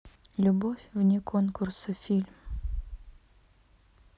любовь вне конкурса фильм